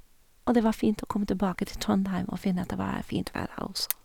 Og det var fint å komme tilbake til Trondheim og finne at det var fint vær her også.